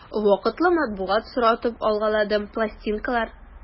Вакытлы матбугат соратып алгаладым, пластинкалар...